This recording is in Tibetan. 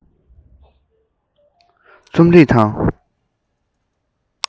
སྲོལ རྒྱུན རྩོམ རིག